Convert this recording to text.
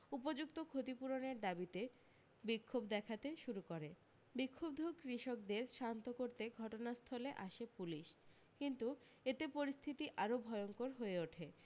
উপযুক্ত ক্ষতিপূরণের দাবীতে বিক্ষোভ দেখাতে শুরু করে বিক্ষুব্ধ কৃষকদের শান্ত করতে ঘটনা স্থলে আসে পুলিশ কিন্তু এতে পরিস্থিতি আরও ভয়ঙ্কর হয়ে ওঠে